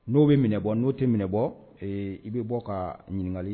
N'o bɛ minɛ bɔ n'o tɛ minɛ bɔ ee i bɛ bɔ ka ɲininkali